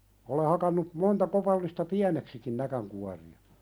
olen hakannut monta kopallista pieneksikin näkinkuoria